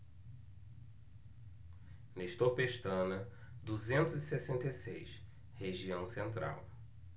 nestor pestana duzentos e sessenta e seis região central